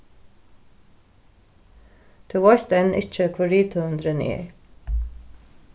tú veitst enn ikki hvør rithøvundurin er